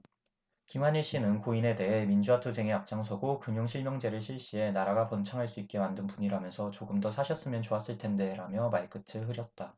김완일씨는 고인에 대해 민주화 투쟁에 앞장서고 금융실명제를 실시해 나라가 번창할 수 있게 만든 분이라면서 조금 더 사셨으면 좋았을 텐데 라며 말끝을 흐렸다